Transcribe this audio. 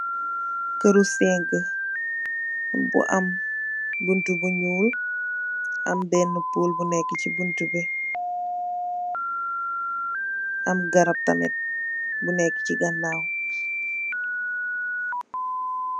Kèr ru sengi bu am buntu bu ñuul am benna puul bu nekka ci buntu bi. Am garap tamit bu nekka ci ganaw.